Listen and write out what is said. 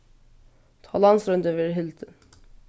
tá landsroyndin verður hildin